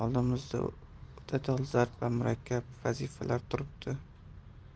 oldimizda o'ta dolzarb va murakkab vazifalar turibdi